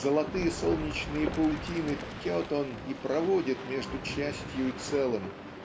золотые солнечные паутины ткет он и проводит между частью и целым